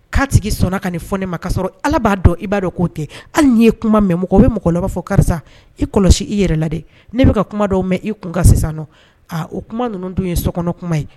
K'a tigi sɔnna ka nin fɔ ne ma ka sɔrɔ Ala b'a dɔn i b'a dɔn k'o tɛ hali ye kuma mɛn mɔgɔ bɛ mɔgɔ la o b'a fɔ karisa i kɔlɔsi i yɛrɛ la dɛ ne bɛ ka kuma dɔw mɛn i kun ka sisan nɔ o kuma ninnu dun ye sokɔnɔ kuma ye